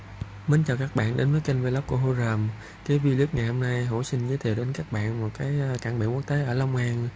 kính chào các bạn đến với kênh w của chrome thế vleague ngày hôm nay hồ xin giới thiệu đến các bạn một cái cảng biển quốc tế ở long an